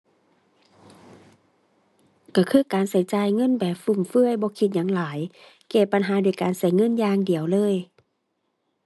ก็คือการก็จ่ายเงินแบบฟุ่มเฟือยบ่คิดหยังหลาย แก้ปัญหาด้วยการก็เงินอย่างเดียวเลย